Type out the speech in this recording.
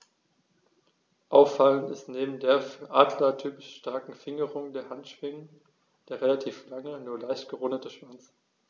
Auffallend ist neben der für Adler typischen starken Fingerung der Handschwingen der relativ lange, nur leicht gerundete Schwanz.